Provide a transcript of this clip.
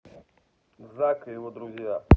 зак и его друзья